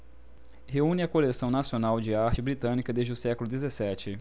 reúne a coleção nacional de arte britânica desde o século dezessete